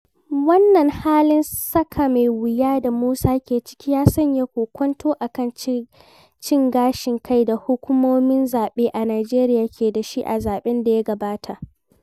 Wannan halin tsaka mai wuya da Musa ke ciki ya sanya kokwanto a kan cin gashin kai da hukumomin zaɓe a Nijeriya ke da shi a zaɓen da ya gabata.